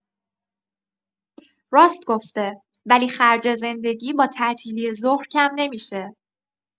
راست گفته، ولی خرج زندگی با تعطیلی ظهر کم نمی‌شه.